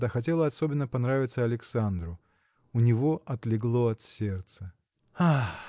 когда хотела особенно нравиться Александру. У него отлегло от сердца. А!